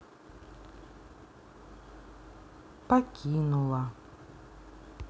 покинула